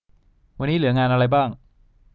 วันนี้เหลืองานอะไรบ้าง